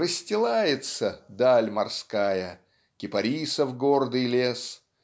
расстилается "даль морская" "кипарисов гордый лес"